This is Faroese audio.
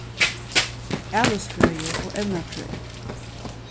alisfrøði og evnafrøði